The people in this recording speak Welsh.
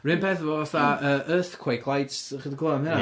Yr un peth efo fatha yy earthquake lights, dach chi 'di clywed am hynna?